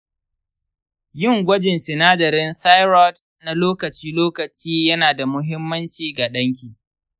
yin gwajin sinadarin thyroid na lokaci-lokaci yana da muhimmanci ga danki.